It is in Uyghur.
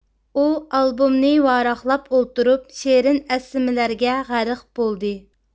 ئۇ ئالبومنى ۋاراقلاپ ئولتۇرۇپ شېرىن ئەسلىمىلەرگە غەرق بولدى